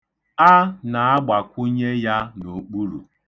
A na-agbakwunye ya n'okpuru.